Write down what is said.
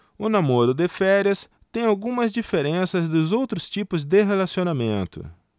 o namoro de férias tem algumas diferenças dos outros tipos de relacionamento